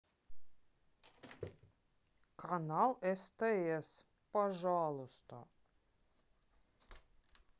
канал стс пожалуйста